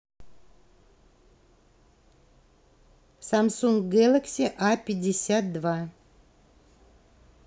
samsung galaxy a пятьдесят два